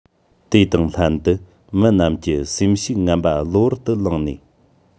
དེ དང ལྷན དུ མི རྣམས ཀྱི སེམས ཤུགས ངན པ གློ བུར དུ ལངས ནས